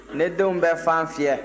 ne denw bɛ fan fiyɛ